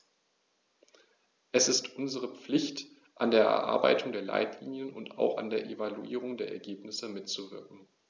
Es ist unsere Pflicht, an der Erarbeitung der Leitlinien und auch an der Evaluierung der Ergebnisse mitzuwirken.